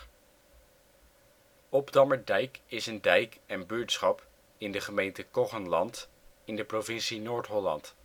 Obdammerdijk is een dijk en buurtschap in de gemeente Koggenland in de provincie Noord-Holland